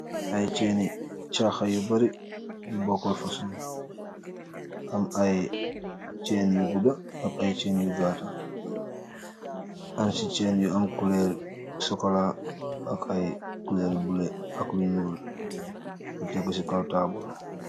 Ay ceeni caaxa yu bari yu bokkal fason, am ay ceeni yu guda ak ay ceeni yu gaata, am ci cenni yu am kuleer sokola ak ay kuleeri bulo ak lu nuul, yu tekk ci kaw taabul.